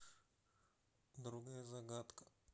другая загадка